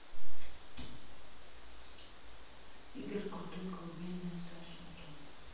игорь крутой колыбельная сашеньке